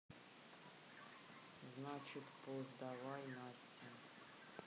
значит pos давай настя